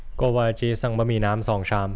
โกวาจีสั่งบะหมี่น้ำสองชาม